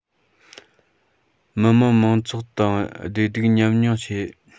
མི དམངས མང ཚོགས དང བདེ སྡུག མཉམ མྱོང བྱས